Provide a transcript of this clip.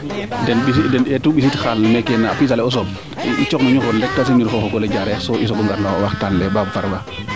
den mbisiid den eetu mbisiid xaal na pisale o sooɓ i coox no njuxrole rek te sim nir fo o fogole Diarekh so i soogo ngar no waxtaan le baab Farba